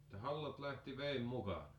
että hallat lähti veden mukana